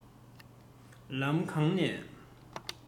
ལམ གང ནས